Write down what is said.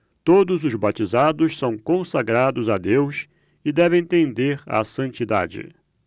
todos os batizados são consagrados a deus e devem tender à santidade